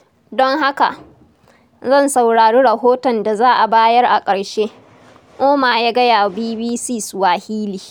Don haka, zan saurari rahoton da za a bayar a ƙarshe, Ouma ya gaya wa BBC Swahili.